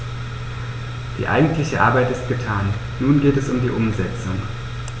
Die eigentliche Arbeit ist getan, nun geht es um die Umsetzung.